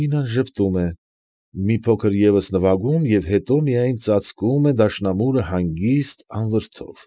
Ալինան ժպտում է, մի փոքր ևս նվագում է և հետո միայն ծածկում է դաշնամուրը հանգիստ, անվրդով։